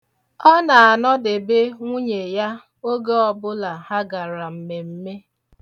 Ọ na-anọdebe nwunye ya oge ọbụla ha gara mmemme.